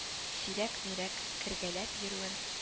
Сирәк-мирәк кергәләп йөрүен